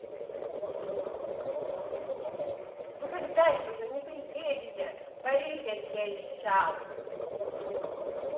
вы когда нибудь он не приедете париж я тебе обещал